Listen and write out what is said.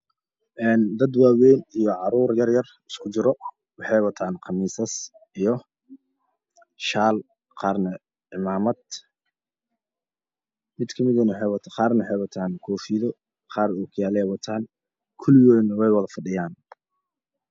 Een dad waa wen iyo carur iskujiro waxay Watan Qamiisas iyo shal Qarne cimamad midkamid ah Waxay Qarne waxaywatan midkamidah waxay watan koofido Qarne okiyalo kuligod way wada fadhiyan